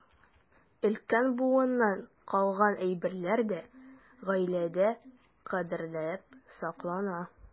Өлкән буыннан калган әйберләр дә гаиләдә кадерләп саклана.